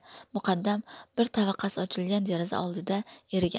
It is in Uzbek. muqaddam bir tavaqasi ochilgan deraza oldida eriga